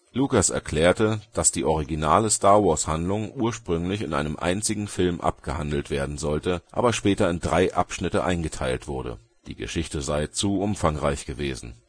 Lucas erklärte, dass die originale Star-Wars-Handlung ursprünglich in einem einzigen Film abgehandelt werden sollte, aber später in drei Abschnitte eingeteilt wurde. Die Geschichte sei zu umfangreich gewesen